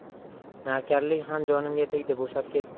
navkarlik ham jonimga tegdi bo'shab ketdim